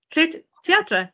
Lle, t- ti adre?